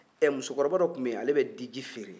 ɛ musokɔrɔba dɔ tun bɛ yen ale bɛ diji feere